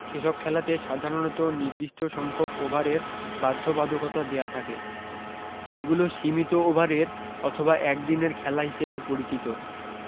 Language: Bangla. সেসব খেলাতে সাধারণত নির্দিষ্ট সংখ্যক ওভারের বাধ্যবাধকতা দেয়া থাকে এগুলো সীমিত ওভারের অথবা একদিনের খেলা হিসেবে পরিচিত